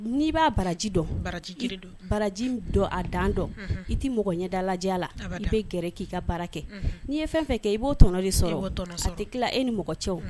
N'i b'a baraji dɔn, baraji dɔn a dan dɔn, unhun, i tɛ mɔgɔ ɲɛda lajɛ a la, i bɛ gɛrɛ k'i ka baara kɛ, n'i ye fɛn o fɛn kɛ i b'o tɔnɔ de sɔrɔ, i b'o tɔnɔ sɔrɔ, a tɛ tila e ni mɔgɔ cɛ wo